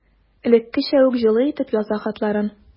Элеккечә үк җылы итеп яза хатларын.